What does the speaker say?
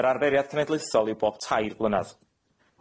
Yr arferiad cenedlaethol yw bob tair blynadd.